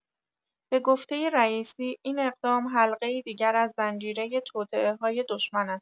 به گفته رییسی، این اقدام حلقه‌ای دیگر از زنجیره توطئه‌های دشمن است.